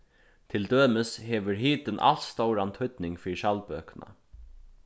til dømis hevur hitin alstóran týdning fyri skjaldbøkuna